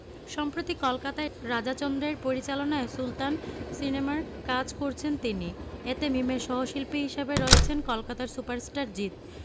সম্প্রতি কলকাতায় রাজা চন্দের পরিচালনায় সুলতান সিনেমার কাজ করেছেন তিনি এতে মিমের সহশিল্পী হিসাবে রয়েছেন কলকাতার সুপারস্টার জিৎ